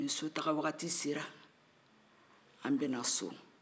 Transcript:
ni sotaawaati sera an bɛ na so